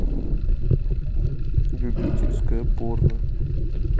любительское порно